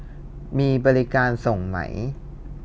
มีบริการส่งไหม